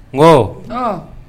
N ko